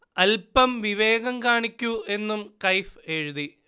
'അൽപം വിവേകം കാണിക്കൂ' എന്നും കയ്ഫ് എഴുതി